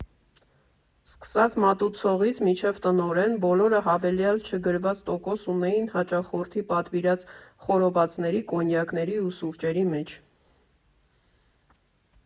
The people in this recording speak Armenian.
Սկսած մատուցողից մինչև տնօրեն՝ բոլորը հավելյալ չգրված տոկոս ունեին հաճախորդի պատվիրած խորովածների, կոնյակների ու սուրճերի մեջ։